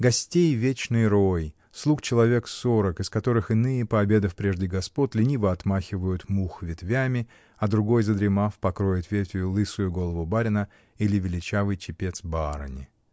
Гостей вечный рой, слуг человек сорок, из которых иные, пообедав прежде господ, лениво отмахивают мух ветвями, а другой, задремав, покроет ветвью лысую голову барина или величавый чепец барыни.